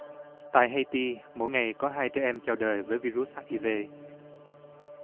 tại hây ti mỗi ngày có hai trẻ em chào đời với vi rút hắt i vê